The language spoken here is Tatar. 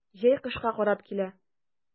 Җәй кышка карап килә.